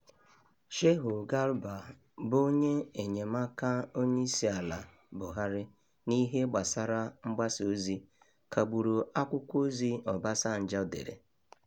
Shehu Garba, bụ onye enyemaka Onyeisiala Buhari n'ihe gbasara mgbasa ozi, kagburu akwụkwọ ozi Obasanjo dere: